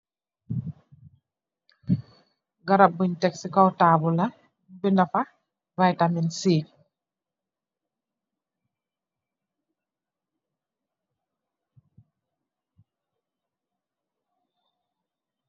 Garab bun teck si kaw tabul la benda fa vitamin c.